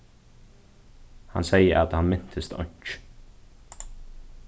hann segði at hann mintist einki